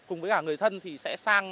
cùng với cả người thân thì sẽ sang